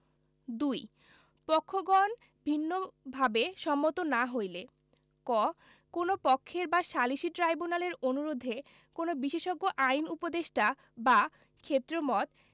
২ পক্ষগণ ভিন্নভাবে সম্মত না হইলে ক কোন পক্ষের বা সালিসী ট্রাইব্যুনালের অনুরোধে কোন বিশেষজ্ঞ আইন উপদেষ্টা বা ক্ষেত্রমত